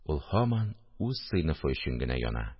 Ул һаман үз сыйныфы өчен генә яна